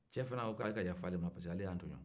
cɛ fana ko k'a ka yafa ale ma parce que ale y'a tɔɲɔn